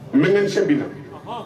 Minɛnsin bɛ na